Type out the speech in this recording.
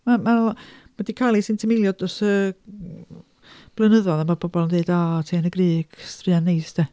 Mae, mae o ma' 'di cael ei sentimeilio dros y m- blynyddoedd ma' pobl yn deud "O Te yn y Grug, straeon neis de".